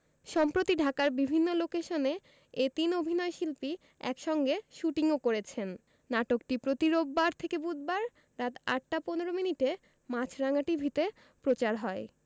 সম্প্রতি ঢাকার বিভিন্ন লোকেশনে এ তিন অভিনয়শিল্পী একসঙ্গে শুটিংও করেছেন নাটকটি প্রতি রোববার থেকে বুধবার রাত ৮টা ১৫ মিনিটে মাছরাঙা টিভিতে প্রচার হয়